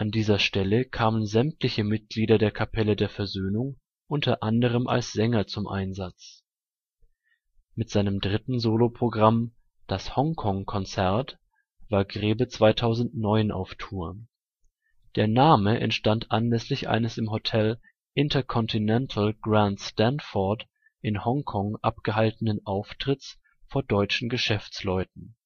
dieser Stelle kamen sämtliche Mitglieder der Kapelle der Versöhnung u. a. als Sänger zum Einsatz. Mit seinem dritten Solo-Programm „ Das Hongkongkonzert “war Grebe 2009 auf Tour. Der Name entstand anlässlich eines im Hotel InterContinental Grand Stanford in Hong Kong abgehaltenen Auftritts vor deutschen Geschäftsleuten